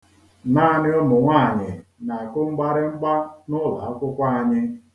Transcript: Naanị ụmụnwaanyị na-akụ mgbarịmgba n'ụlọakwụkwọ anyị.